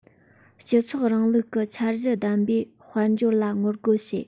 སྤྱི ཚོགས རིང ལུགས ཀྱི འཆར གཞི ལྡན པའི དཔལ འབྱོར ལ ངོ རྒོལ བྱས